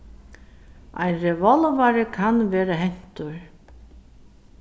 ein revolvari kann vera hentur